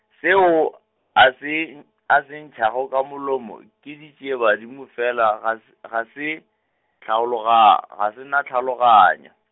seo a se n-, a se ntšhago ka molomo ke ditšiebadimo fela ga s- ga se, tlhaloga-, ga sena tlhaloganyo.